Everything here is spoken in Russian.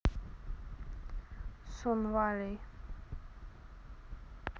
sun valley